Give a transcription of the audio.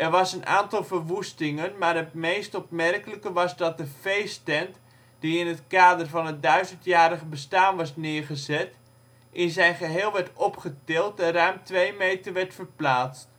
was een aantal verwoestingen, maar het meest opmerkelijke was dat de feesttent, die in het kader van het duizendjarige bestaan was neergezet, in zijn geheel werd opgetild en ruim twee meter werd verplaatst